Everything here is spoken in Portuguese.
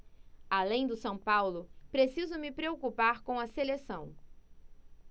além do são paulo preciso me preocupar com a seleção